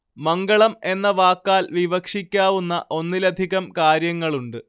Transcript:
മംഗളം എന്ന വാക്കാൽ വിവക്ഷിക്കാവുന്ന ഒന്നിലധികം കാര്യങ്ങളുണ്ട്